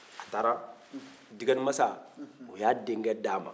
a taara dikalimansa o y'a denkɛ d'a ma